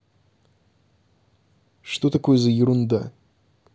что такое за ерунда